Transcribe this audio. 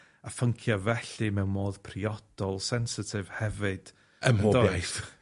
a phyncia' felly mewn modd priodol, sensitif hefyd... Ym mhob iaith. ...yndoes?